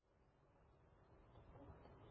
Әйдә, яшәсен сәламәт булып.